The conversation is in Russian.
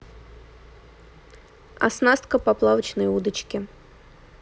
оснастка поплавочной удочки